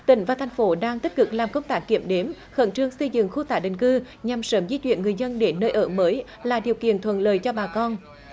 tỉnh và thành phố đang tích cực làm công tác kiểm đếm khẩn trương xây dựng khu tái định cư nhằm sớm di chuyển người dân đến nơi ở mới là điều kiện thuận lợi cho bà con